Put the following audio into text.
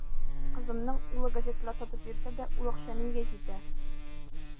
Кызымның улы газеталар сатып йөрсә дә, ул акча нигә җитә.